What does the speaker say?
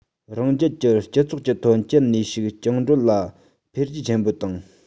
རང རྒྱལ གྱི སྤྱི ཚོགས ཀྱི ཐོན སྐྱེད ནུས ཤུགས བཅིངས འགྲོལ དང འཕེལ རྒྱས ཆེན པོ བཏང